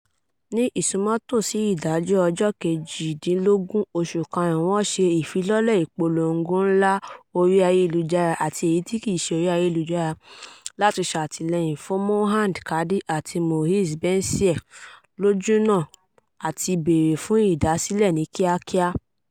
Ní ìsúnmọ́tòòsí ìdájọ́ ọjọ́ 18 oṣù Karùn-ún, wọ́n ṣe ìfilọ́lẹ̀ ìpolongo ńlá orí ayélujára àti èyí tí kìí ṣe orí ayélujára láti ṣàtìlẹ́yìn fún Mohand Kadi àti Moez Benncir lójúnà àti bèèrè fún ìdásílẹ̀ ní kíákíá.